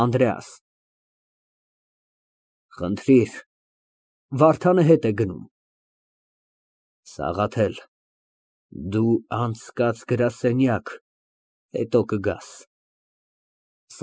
ԱՆԴՐԵԱՍ ֊ Խնդրիր։ (Վարդանը հետ է գնում) Սաղաթել, դու անցկաց գրասենյակ, հետո կգաս։